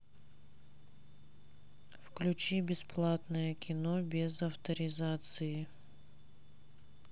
включи бесплатное кино без авторизации